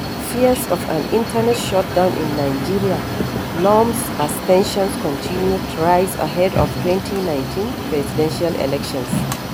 Fears of an internet shutdown in Nigeria looms as tensions continue to rise ahead of 2019 presidential elections.